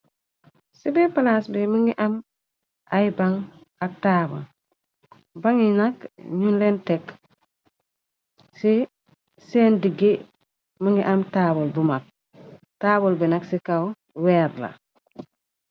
ci be palaas bi mi ngi am ay baŋg ak taawal ba ngi nak ñu leen tekk ci seen diggi mi ngi am taawal bu mag taawal bi nag ci kaw weer la.